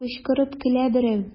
Кычкырып көлә берәү.